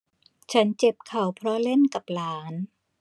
ฉันเจ็บเข่าเพราะเล่นกับหลาน